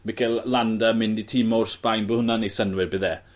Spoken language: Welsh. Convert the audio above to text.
Mikel Landa mynd i tîm mowr Sbaen bo' hwnna'n neu' synnwyr bydd e?